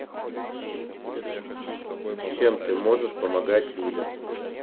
чем ты можешь помогать людям